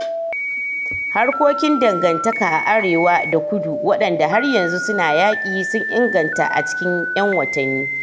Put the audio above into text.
Harkokin dangantaka a Arewa da Kudu - waɗanda har yanzu su na yaki - sun inganta a cikin 'yan watanni.